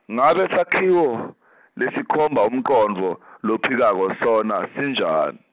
ngabe sakhiwo , lesikhomba umcondvo , lophikako sona sinjani?